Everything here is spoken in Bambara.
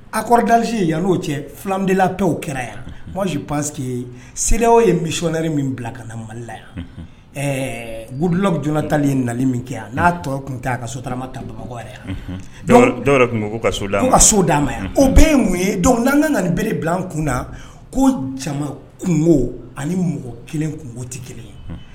A kɔrɔdalisi ye yan n'o cɛ filadenla tɔw kɛra yan paseke seli ye misisɛri min bila ka na malila yan ɛɛ gla joonanatali ye nali min kɛ yan n'a tɔ tun ta a ka sotama tan bamakɔbagaw yan dɔw tun ka so ka so d'a ma yan o bɛɛ ye mun ye dɔnku n'an ka ka nin bereere bila kun na ko caman kungo ani mɔgɔ kelen kun'o tɛ kelen ye